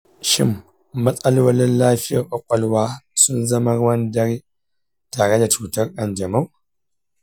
shin matsalolin lafiyar ƙwaƙwalwa sun zama ruwan dare tare da cutar kanjamau?